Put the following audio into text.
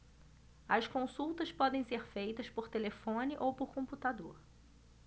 as consultas podem ser feitas por telefone ou por computador